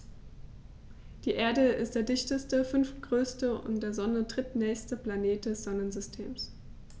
Die Erde ist der dichteste, fünftgrößte und der Sonne drittnächste Planet des Sonnensystems.